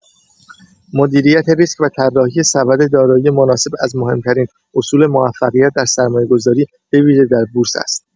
مدیریت ریسک و طراحی سبد دارایی مناسب از مهم‌ترین اصول موفقیت در سرمایه‌گذاری به‌ویژه در بورس است.